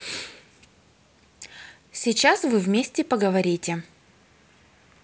сейчас вы вместе поговорите